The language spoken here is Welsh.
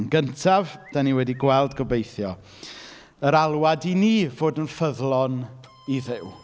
Yn gyntaf, dan ni wedi gweld, gobeithio, yr alwad i ni fod yn ffyddlon i Dduw.